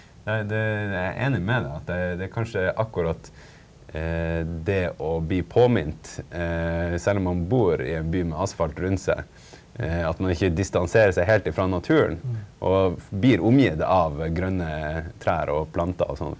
nei det er jeg er enig med deg at jeg det er kanskje akkurat det å bli påmint selv om man bor i en by med asfalt rundt seg at man ikke distanserer seg helt ifra naturen og blir omgitt av grønne trær og planter og sånn,